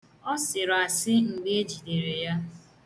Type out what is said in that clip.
Ọ sịrị asị mgbe ejidere ya.